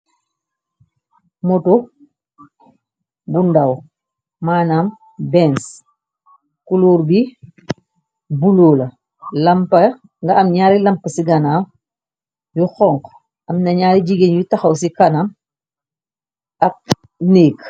Moto bu ndaw, manam Benz, kulóor bi buloo la, lampa, nga am ñaari lamp ci ganaaw yu xonxu, am na ñaari jigéen yu taxaw ci kanam ak neek.